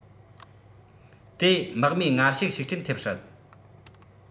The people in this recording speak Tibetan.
དེའི དམག མིའི ངར ཤུགས ཤུགས རྐྱེན ཐེབས སྲིད